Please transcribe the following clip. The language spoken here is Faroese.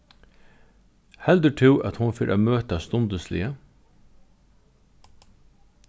heldur tú at hon fer at møta stundisliga